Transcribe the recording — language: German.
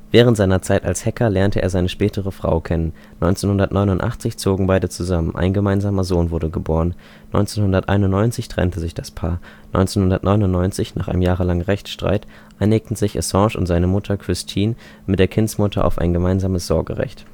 Während seiner Zeit als Hacker lernte er seine spätere Frau kennen. 1989 zogen beide zusammen, ein gemeinsamer Sohn wurde geboren. 1991 trennte sich das Paar. 1999, nach einem jahrelangen Rechtsstreit, einigten sich Assange und seine Mutter Christine mit der Kindesmutter auf ein gemeinsames Sorgerecht